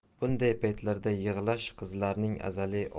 bunday paytlarda yig'lash qizlarning azaliy